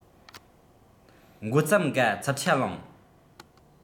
འགོ བརྩམས འགའ འཚུབ ཆ ལངས